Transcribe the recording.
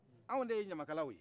anw de ye ɲamakalaw ye